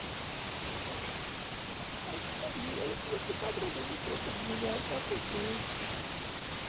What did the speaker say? что делать если подруга не хочет гулять а ты хочешь